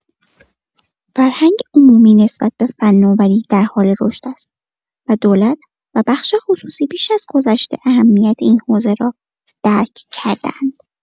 فرهنگ عمومی نسبت به فناوری در حال رشد است و دولت و بخش خصوصی بیش از گذشته اهمیت این حوزه را درک کرده‌اند.